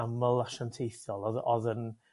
aml asianteithol odd y- odd yn